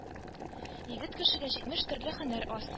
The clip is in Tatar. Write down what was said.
Егет кешегә җитмеш төрле һөнәр аз.